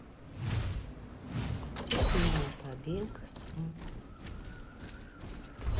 три дня на побег с